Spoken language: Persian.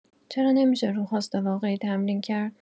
چرا نمی‌شه رو هاست واقعی تمرین کرد؟